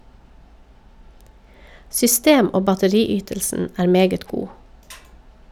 System- og batteriytelsen er meget god.